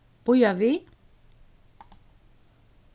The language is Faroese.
bíða við